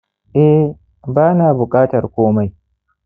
eh, ba na bukatar komai.